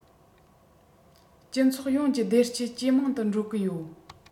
སྤྱི ཚོགས ཡོངས ཀྱི བདེ སྐྱིད ཇེ མང དུ འགྲོ གི ཡོད